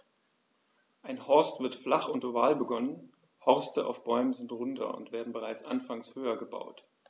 Ein Horst wird flach und oval begonnen, Horste auf Bäumen sind runder und werden bereits anfangs höher gebaut.